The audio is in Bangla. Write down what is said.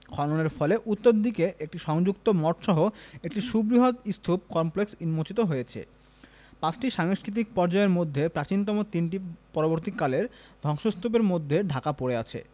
খননের ফলে উত্তর দিকে একটি সংযুক্ত মঠসহ এক সুবৃহৎ স্তূপ কমপ্লেক্স উন্মোচিত হয়েছে পাঁচটি সাংস্কৃতিক পর্যায়ের মধ্যে প্রাচীনতম তিনটি পরবর্তীকালের ধ্বংস্তূপের মধ্যে ঢাকা পড়ে আছে